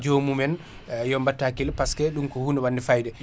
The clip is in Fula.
ɗum kaadi jomum en yo battu hakkile parceque ɗum ko hunde wadde fayida